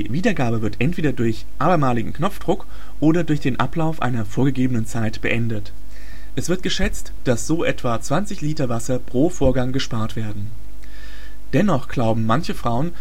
Wiedergabe wird entweder durch abermaligen Knopfdruck oder den Ablauf einer vorgegebenen Zeit beendet. Es wird geschätzt, dass so etwa 20 Liter Wasser pro Vorgang gespart werden. Dennoch glauben manche Frauen